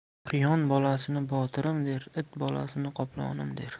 quyon bolasini botirim der it bolasini qoplonim der